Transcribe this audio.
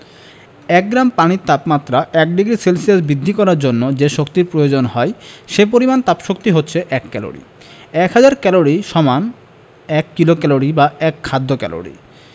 এক গ্রাম পানির তাপমাত্রা ১ ডিগ্রি সেলসিয়াস বৃদ্ধি করার জন্য যে শক্তির প্রয়োজন হয় সে পরিমাণ তাপশক্তি হচ্ছে এক ক্যালরি এক হাজার ক্যালরি সমান এক কিলোক্যালরি বা এক খাদ্য ক্যালরি